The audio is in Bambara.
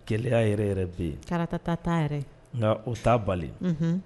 Gɛlɛya yɛrɛ yɛrɛ bɛ yen karatata taa taa yɛrɛ nka o taa bali